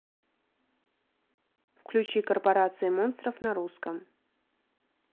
включи корпорация монстров на русском